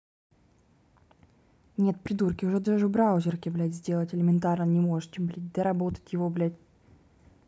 нет придурки уже даже браузерки блять сделать элементарно не можете блять доработать его блять